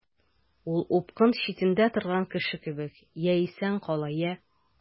Ул упкын читендә торган кеше кебек— я исән кала, я...